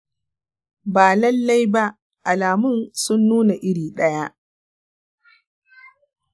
ba lalai ba. alamun sun nuna iri ɗaya.